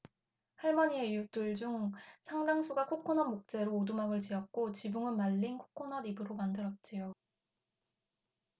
할머니의 이웃들 중 상당수가 코코넛 목재로 오두막을 지었고 지붕은 말린 코코넛 잎으로 만들었지요